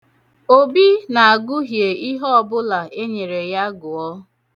Obi na-agụhie ihe ọbụla enyere ya gụọ.